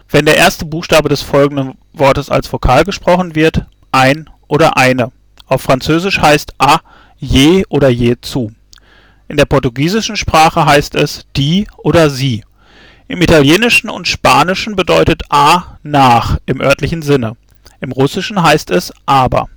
wenn der erste Buchstabe des folgenden Wortes als Vokal gesprochen wird „ ein/eine “. Auf Französisch bedeutet à „ je/je zu “. In der portugiesischen Sprache heißt es „ die “oder „ sie “. Im Italienischen und Spanischen bedeutet a „ nach “im örtlichen Sinn. Im Russischen heißt es „ aber